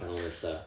ganol nunlle